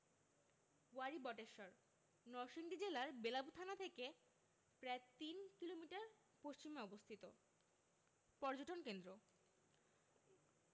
ওয়ারী বটেশ্বর নরসিংদী জেলার বেলাব থানা থেকে প্রায় তিন কিলোমিটার পশ্চিমে অবস্থিত পর্যটন কেন্দ্র